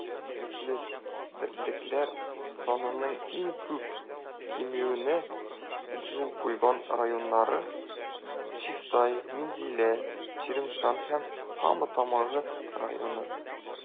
Эре мөгезле терлекләр санының иң күп кимүенә юл куйган районнар - Чистай, Минзәлә, Чирмешән һәм Кама Тамагы районнары.